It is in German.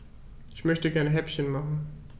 Ich möchte gerne Häppchen machen.